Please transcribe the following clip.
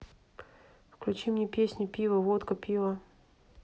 включи мне песню пиво водка пиво